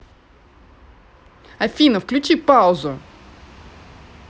афина выключи паузу